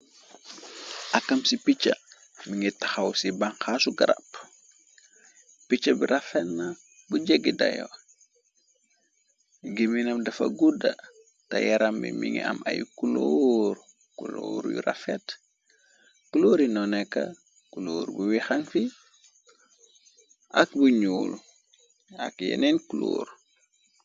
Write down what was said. Akam ci piccha mi ngi taxaw ci banxaasu garapp piccha bi rafetna bu jeggi dayo giminam dafa gudda te yaram bi mi ngi am ay kloor kuloor yu rafet cloori no nekka kuloor bu wixaŋ fi ak bu ñuul ak yeneen culoor.